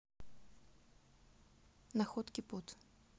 находки под